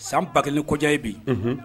San ba kelen ni kojan ye bi, unhun